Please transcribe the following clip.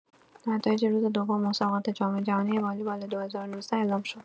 نتایج روز دوم مسابقات جام‌جهانی والیبال ۲۰۱۹ اعلام شد.